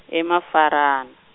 e Mafaran-.